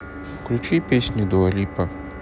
включи песни дуа липа